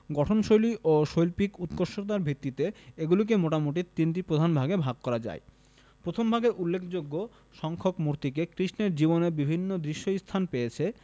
গঠনশৈলী ও শৈল্পিক উৎকর্ষতার ভিত্তিতে এগুলিকে মোটামোটি তিনটি প্রধান ভাগে ভাগ করা যায় প্রথম ভাগের উল্লেখযোগ্য সংখ্যক মূর্তিতে কৃষ্ণের জীবনের বিভিন্ন দৃশ্য স্থান পেয়েছে